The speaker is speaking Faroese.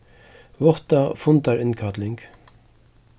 vátta fundarinnkalling